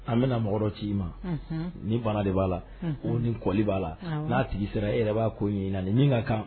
An bɛna mɔgɔ ci i ma ni bana de b'a la o ni kɔli b'a la n'a tigi sera e yɛrɛ b'a ko ɲini min ka kan